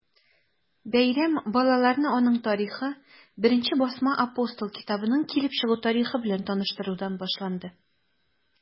Бәйрәм балаларны аның тарихы, беренче басма “Апостол” китабының килеп чыгу тарихы белән таныштырудан башланды.